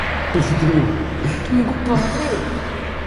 Beth 'di driw. Dwi'm yn gwbod driw.